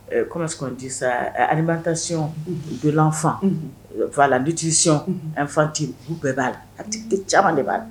Kɔmi sɔn tɛ sa alibatay bɛlanfan fa la du t'y nfan t tɛ u bɛɛ b'a la caman de b'a